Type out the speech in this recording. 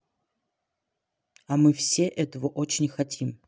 и мы все этого очень хотим